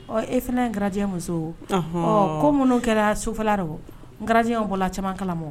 Ɔ e fana ye garijɛ muso ko minnu kɛra sofɛ la garijɛ bɔra caman kala ma